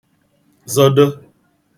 zọdọ